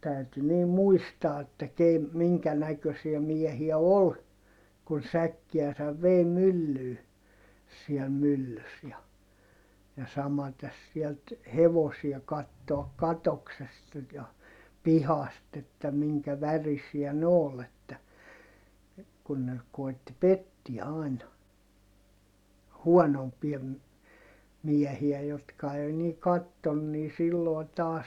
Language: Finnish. täytyi niin muistaa että - minkä näköisiä miehiä oli kun säkkiänsä vei myllyyn siellä myllyssä ja ja samaten sieltä hevosia katsoa katoksesta ja pihasta että minkä värisiä ne oli että kun ne koetti pettää aina huonompia - miehiä jotka ei niin katsonut niin silloin taas